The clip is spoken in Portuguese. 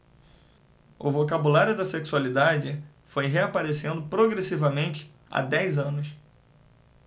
o vocabulário da sexualidade foi reaparecendo progressivamente há dez anos